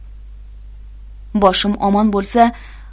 boshim omon bo'lsa